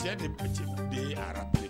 Cɛ ni batiden ye arap